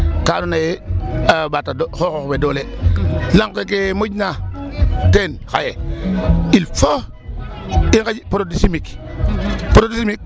Ka andoona yee a ɓaata xooxoox we doole lanq ke ke moƴna teen xaye il faut i nqaƴ produit chimique produit chimique.